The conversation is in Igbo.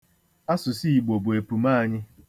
Asụsụ Igbo bụ epum anyị.